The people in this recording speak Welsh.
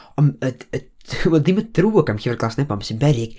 Ond yd- y- d- wel ddim y drwg am 'Llyfr Glas Nebo', ond be' sy'n beryg...